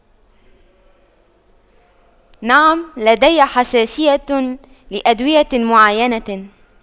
نعم لدي حساسية لأدوية معينة